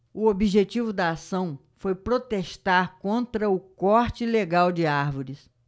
o objetivo da ação foi protestar contra o corte ilegal de árvores